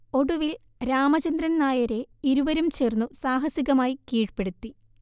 ഒടുവിൽ രാമചന്ദ്രൻ നായരെ ഇരുവരും ചേർന്നു സാഹസികമായി കീഴ്പെടുത്തി